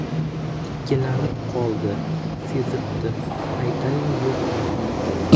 ikkilanib qoldi sezibdi aytaymi yo'qmi